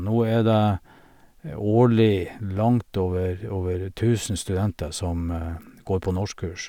Nå er det årlig langt over over tusen studenter som går på norskkurs.